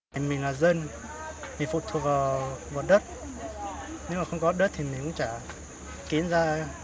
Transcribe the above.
vì mình là dân thì phụ thuộc vào nguồn đất nếu mà không có đất thì mình cũng chả kín ra